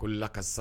Ko laka sa